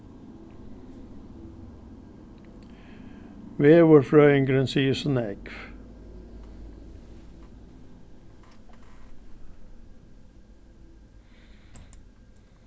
veðurfrøðingurin sigur so nógv